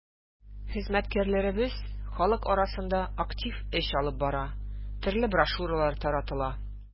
Хезмәткәрләребез халык арасында актив эш алып бара, төрле брошюралар таратыла.